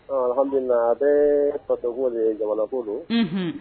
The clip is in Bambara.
Hadu a bɛ fat de ye jamanako don